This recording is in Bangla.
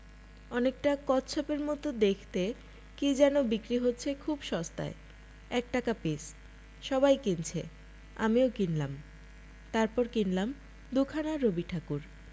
অনেকটা কচ্ছপের মত দেখতে কি যেন বিক্রি হচ্ছে খুব সস্তায় এক টাকা পিস সবাই কিনছে আমিও কিনলাম তারপর কিনলাম দু'খানা রবিঠাকুর